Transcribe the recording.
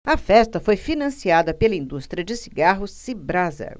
a festa foi financiada pela indústria de cigarros cibrasa